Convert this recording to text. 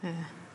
Ie.